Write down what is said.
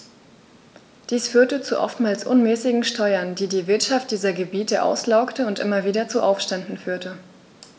Dies führte zu oftmals unmäßigen Steuern, die die Wirtschaft dieser Gebiete auslaugte und immer wieder zu Aufständen führte.